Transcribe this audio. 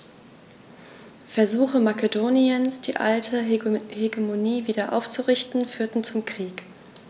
Versuche Makedoniens, die alte Hegemonie wieder aufzurichten, führten zum Krieg.